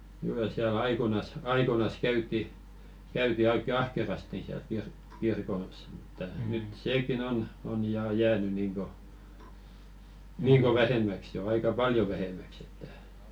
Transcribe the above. kyllä siellä aikoinaan aikoinaan käytiin käytiin oikein ahkerasti siellä - kirkossa mutta nyt sekin on on ja jäänyt niin kuin niin kuin vähemmäksi jo aika paljon vähemmäksi että